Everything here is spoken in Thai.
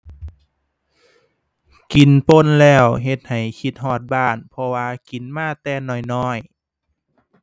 กินป่นแล้วเฮ็ดให้คิดฮอดบ้าน เพราะว่ากินมาแต่น้อยน้อย